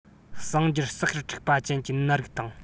གསང རྒྱུད ཟགས གཤེར འཁྲིག པ ཅན གྱི ནད རིགས དང